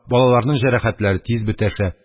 Балаларның җәрәхәтләре тиз бетәшә